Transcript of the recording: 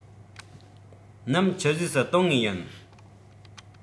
སྣུམ ཆུད ཟོས སུ གཏོང ངེས ཡིན